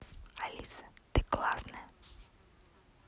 алиса ты классная